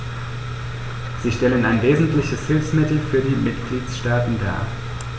Sie stellen ein wesentliches Hilfsmittel für die Mitgliedstaaten dar.